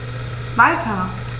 Weiter.